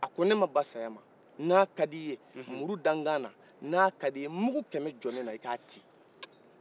a ko ne ma ban sayama n'a kadiye muru da n kana n'a kadiye mugu kɛmɛ jɔ ne la i ka ci